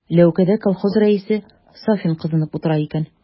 Ләүкәдә колхоз рәисе Сафин кызынып утыра икән.